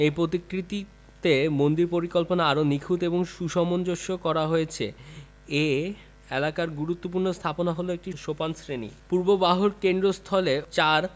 এ প্রতিকৃতিতে মন্দির পরিকল্পনাকে আরও নিখুঁত এবং সুসমঞ্জস করা হয়েছে এ এলাকার গুরুত্বপূর্ণ স্থাপনা হলো একটি সোপান শ্রেণি পূর্ব বাহুর কেন্দ্রস্থলে ৪